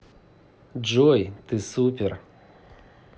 джой ты супер